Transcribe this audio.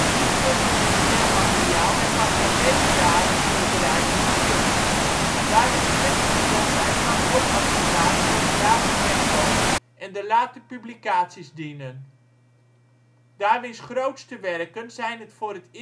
niet controversieel materiaal werd pas na vele jaren voorbereiding gedrukt. Darwins slechte gezondheid kan ook als verklaring voor het lage tempo en de late publicaties dienen. Darwins grootste werken zijn het voor het